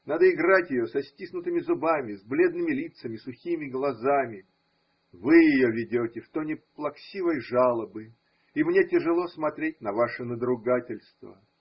Надо играть ее со стиснутыми зубами, с бледными лицами, сухими глазами: вы ее ведете в тоне плаксивой жалобы, и мне тяжело смотреть на ваше надругательство.